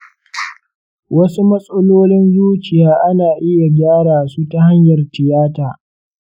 wasu matsalolin zuciya ana iya gyara su ta hanyar tiyata.